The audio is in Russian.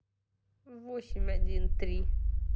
восемь один три